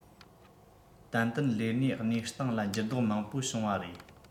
ཏན ཏན ལས གནས གནས སྟངས ལ འགྱུར ལྡོག མང པོ བྱུང བ རེད